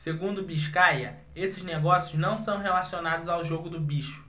segundo biscaia esses negócios não são relacionados ao jogo do bicho